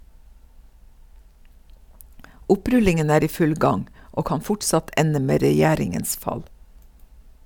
Opprullingen er i full gang, og kan fortsatt ende med regjeringens fall.